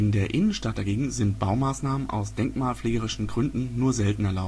der Innenstadt dagegen sind Baumaßnahmen aus denkmalpflegerischen Gründen nur selten